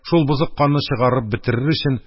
Шул бозык канны чыгарып бетерер өчен,